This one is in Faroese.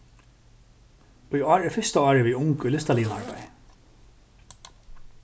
í ár er fyrsta árið við ung í listarligum arbeiði